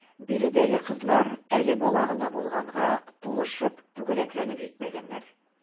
Биредәге кызлар әле бала гына булганга, тулышып, түгәрәкләнеп җитмәгәннәр.